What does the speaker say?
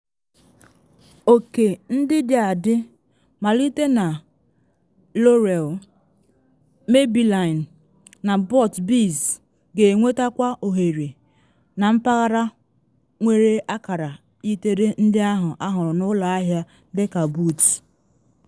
Oke ndị dị adị malite na L'Oreal, Maybelline na Burt’s Bees ga-enwetakwa oghere na mpaghara nwere akara yitere ndị ahụ ahụrụ n’ụlọ ahịa dị ka Boots.